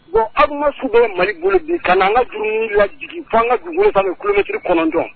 Bon armes sugu bɛɛ Mali bolo ka n'an ka drone lajigin fɔ an ka dugukolo sanfɛ kilomèttres 9!